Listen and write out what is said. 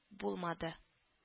Булмады